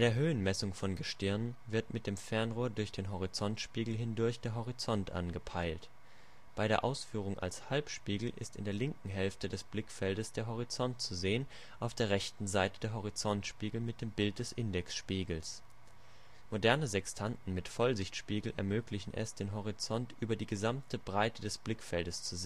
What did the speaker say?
Höhenmessung von Gestirnen wird mit dem Fernrohr durch den Horizontspiegel hindurch der Horizont angepeilt. Bei der Ausführung als Halbspiegel ist in der linken Hälfte des Blickfeldes der Horizont zu sehen, auf der rechten Seite der Horizontspiegel mit dem Bild des Indexspiegels. Moderne Sextanten mit Vollsichtspiegel ermöglichen es, den Horizont über die gesamte Breite des Blickfeldes zu